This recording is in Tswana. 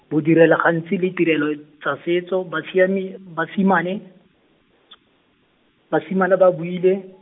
bo direla gantsi le tirelo tsa setso basiami, basimane , basimane ba buile.